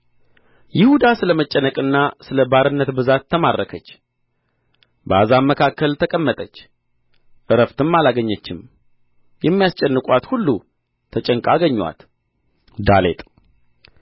ይሁዳ ስለ መጨነቅና ስለ ባርነት ብዛት ተማረከች በአሕዛብ መካከል ተቀመጠች ዕረፍትም አላገኘችም የሚያስጨንቁአት ሁሉ ተጨንቃ አገኙአት ዳሌጥ